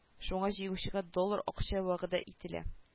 Шуңа җиңүчегә доллар акча вәгъдә ителә